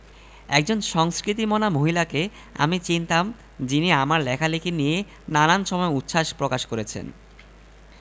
একজন সংস্কৃতি মনা মহিলাকে আমি চিনতাম যিনি আমার লেখালেখি নিয়ে নানান সময় উচ্ছাস প্রকাশ করছেন